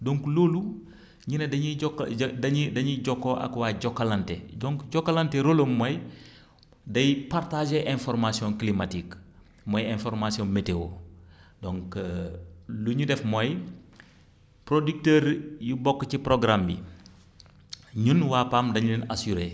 donc loolu ñu ne dañuy jokko dañuy dañuy jokkoo ak waa Jokalante donc Jokalante rôle am mooy day partagé information climatique mooy information météo donc lu ñu def mooy producteur yu bokk ci programme yi ñun waa PAM dañu leen assuré